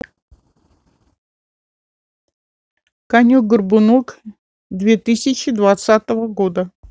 конек горбунок две тысячи двадцатого года